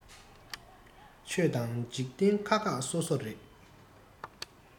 ཆོས དང འཇིག རྟེན ཁག ཁག སོ སོ རེད